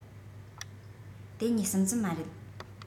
དེ གཉིས གསུམ ཙམ མ རེད